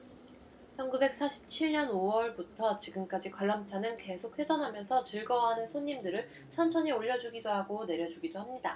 천 구백 사십 칠 년 오 월부터 지금까지 관람차는 계속 회전하면서 즐거워하는 손님들을 천천히 올려 주기도 하고 내려 주기도 합니다